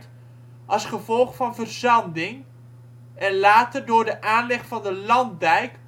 en later door de aanleg van de Landdijk